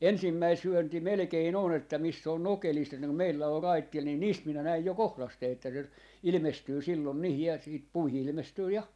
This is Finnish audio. ensimmäinen syönti melkein on että missä on nokelisto että kun meillä on raitilla niin niistä minä näin jo kohdasteen että se ilmestyy silloin niihin ja sitten puihin ilmestyy ja